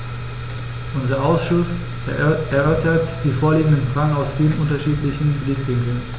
Unser Ausschuss erörtert die vorliegenden Fragen aus vielen unterschiedlichen Blickwinkeln.